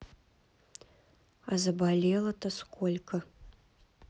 а заболело то сколько